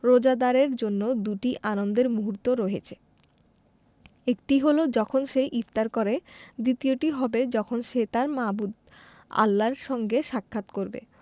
রোজাদারের জন্য দুটি আনন্দের মুহূর্ত রয়েছে একটি হলো যখন সে ইফতার করে দ্বিতীয়টি হবে যখন সে তাঁর মাবুদ আল্লাহর সঙ্গে সাক্ষাৎ করবে